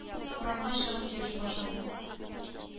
Урамга чыгып йөри башлады